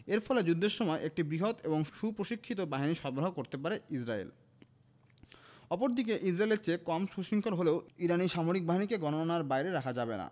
এর ফলে যুদ্ধের সময় একটি বৃহৎ এবং সুপ্রশিক্ষিত বাহিনী সরবরাহ করতে পারে ইসরায়েল অপরদিকে ইসরায়েলের চেয়ে কম সুশৃঙ্খল হলেও ইরানি সামরিক বাহিনীকে গণনার বাইরে রাখা যাবে না